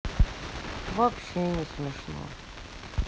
вообще не смешно